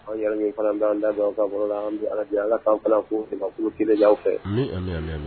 Anw yɛrɛ min fana bɛ an da don aw ka baro la an be Ala deli Ala k'an fana k'o jamakulu kininɲan fɛ amii ami ami ami